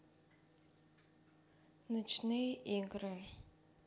ночные игры